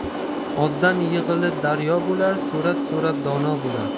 ozdan yig'ilib daryo bo'lar so'rab so'rab dono bo'lar